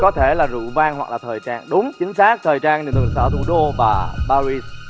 có thể là rượu vang hoặc là thời trang đúng chính xác thời trang thì thường thường ở thủ đô và pa ri